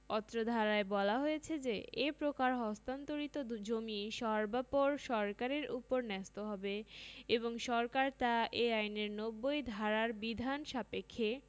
অত্র ধারায় বলা হয়েছে যে এ প্রকার হস্তান্তরিত জমি সর্বাপর সরকারের ওপর ন্যস্ত হবে এবং সরকার তা এ আইনের ৯০ ধারারবিধান সাপেক্ষে